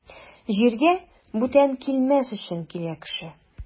Җиргә бүтән килмәс өчен килә кеше.